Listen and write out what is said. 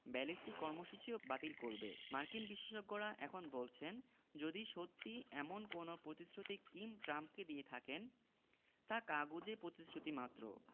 ballistic কর্মসূচিও বাতিল করবে মার্কিন বিশেষজ্ঞেরা এখন বলছেন যদি সত্যি এমন কোনো প্রতিশ্রুতি কিম ট্রাম্পকে দিয়ে থাকেন তা কাগুজে প্রতিশ্রুতিমাত্র